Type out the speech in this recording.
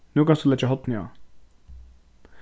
nú kanst tú leggja hornið á